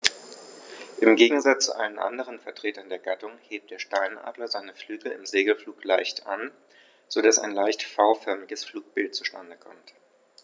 Im Gegensatz zu allen anderen Vertretern der Gattung hebt der Steinadler seine Flügel im Segelflug leicht an, so dass ein leicht V-förmiges Flugbild zustande kommt.